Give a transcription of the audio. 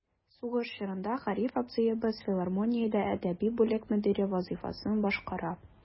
Сугыш чорында Гариф абзыебыз филармониядә әдәби бүлек мөдире вазыйфасын башкара.